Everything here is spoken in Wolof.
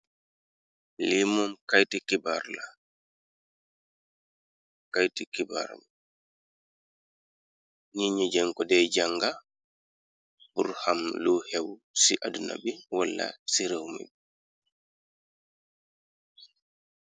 Lii moom rlakayti kibaar bi ñi ñi jënko de jànga bur xam lu xew ci adduna bi wala ci réew mi bi.